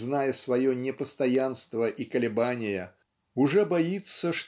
зная свое непостоянство и колебания уже боится